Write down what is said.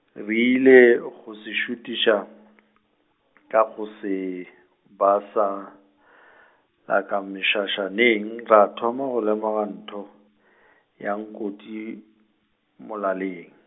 re ile go se šutiša , ka go se, ba sa , la ka mešašaneng ra thoma go lemoga ntho , ya nkoti, molaleng.